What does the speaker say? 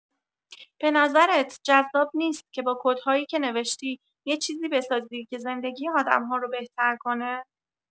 به نظرت جذاب نیست که با کدهایی که نوشتی، یه چیزی بسازی که زندگی آدم‌ها رو بهتر کنه؟